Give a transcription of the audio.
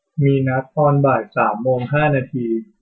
มีนัดตอนบ่ายสามโมงห้านาที